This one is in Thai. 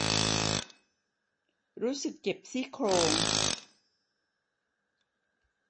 รู้สึกเจ็บซี่โครง